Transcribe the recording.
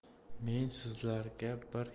men sizlarga bir